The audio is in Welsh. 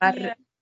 ar... Ie.